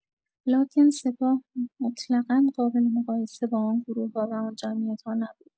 لکن سپاه مطلقا قابل‌مقایسه با آن گروه‌ها و آن جمعیت‌ها نبود.